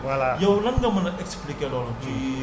foofu daal la ñu saytu ni fa la awoor bi ëppee